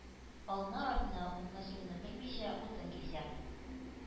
Алны-артны, уңны-сулны белмичә, утын кисә.